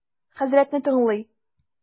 Хәзрәтне тыңлый.